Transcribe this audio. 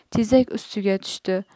tezak ustiga tushdi